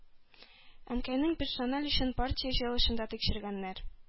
Әнкәйнең персональ эшен партия җыелышында тикшергәннәр.